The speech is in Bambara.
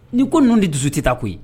Nii ko n ninnu de dusu tɛ taa koyi